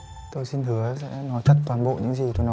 tôi xin hứa sẽ nói thật toàn bộ